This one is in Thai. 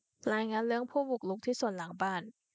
รายงานเรื่องผู้บุกรุกที่สวนหลังบ้าน